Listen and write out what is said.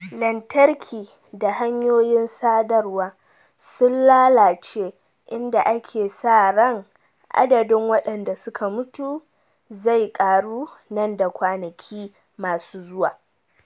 Lantarki da hanyoyin sadarwa sun lalace inda ake sa ran adadin waɗanda suka mutu zai karu nan da kwanaki masu zuwa.